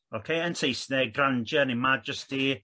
oce yn Saesneg grandeur neu majesty